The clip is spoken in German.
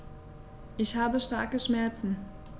Ich habe starke Schmerzen.